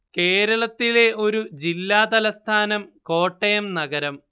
കേരളത്തിലെ ഒരു ജില്ല തലസ്ഥാനം കോട്ടയം നഗരം